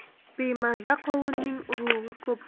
bemaza qovunning urug'i ko'p